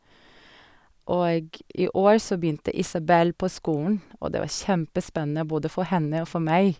Og i år så begynte Isabell på skolen, og det var kjempespennende, både for henne og for meg.